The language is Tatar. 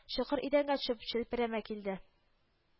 Чокыр идәнгә төшеп челпәрәмә килде